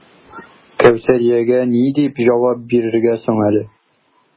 Кәүсәриягә ни дип җавап бирергә соң әле?